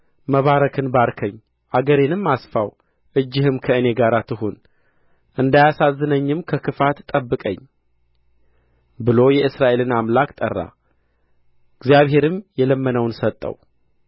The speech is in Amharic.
መባረክን ባርከኝ አገሬንም አስፋው እጅህም ከእኔ ጋር ትሁን እንዳያሳዝነኝም ከክፋት ጠብቀኝ ብሎ የእስራኤልን አምላክ ጠራ እግዚአብሔርም የለመነውን ሰጠው